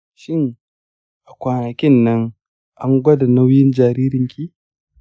shin a kwanakinnan an gwada nauyin jaririnki?